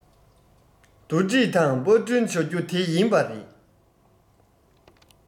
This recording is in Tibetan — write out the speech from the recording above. བསྡུ སྒྲིག དང པར སྐྲུན བྱ རྒྱུ དེ ཡིན པ རེད